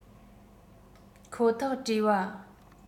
ཁོ ཐག བྲོས པ